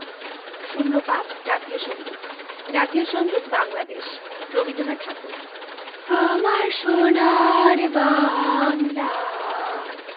০৫ জাতীয় সংগীত জাতীয় সংগীত বাংলাদেশ রবীন্দ্রনাথ ঠাকুর আমার সোনার বাংলা